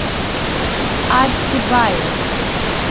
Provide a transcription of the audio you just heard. арси байер